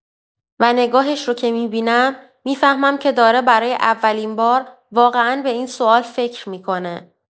و نگاهش رو که می‌بینم، می‌فهمم که داره برای اولین بار واقعا به این سوال فکر می‌کنه.